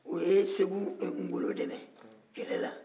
u ye segu ngolo dɛmɛ kɛlɛ la